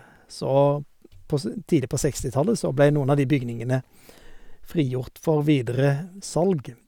Så på s tidlig på sekstitallet så blei noen av de bygningene frigjort for videresalg.